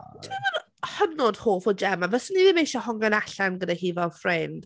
Dwi ddim yn hynod hoff o Gemma. Byswn i ddim eisio hongian allan gyda hi fel ffrind...